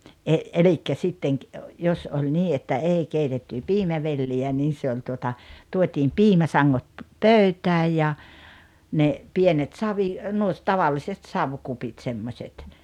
- eli sitten - jos oli niin että ei keitetty piimävelliä niin se oli tuota tuotiin piimäsangot pöytään ja ne pienet - nuo tavalliset savikupit semmoiset